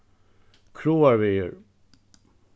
kráarvegur